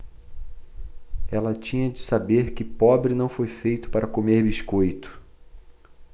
ela tinha de saber que pobre não foi feito para comer biscoito